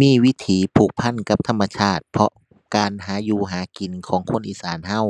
มีวิถีผูกพันกับธรรมชาติ เพราะการหาอยู่หากินของคนอีสานเรา